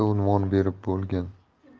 unvon berib bo'lgan